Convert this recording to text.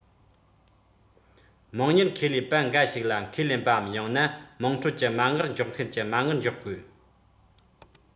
དམངས གཉེར ཁེ ལས པ འགའ ཞིག ལ ཁས ལེན པའམ ཡང ན དམངས ཁྲོད ཀྱི མ དངུལ འཇོག མཁན གྱི མ དངུལ འཇོག དགོས